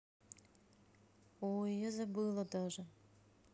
ой я забыла даже